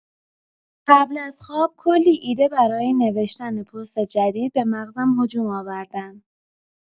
قبل از خواب کلی ایده برای نوشتن پست جدید به مغزم هجوم آوردن.